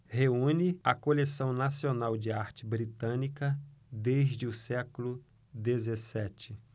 reúne a coleção nacional de arte britânica desde o século dezessete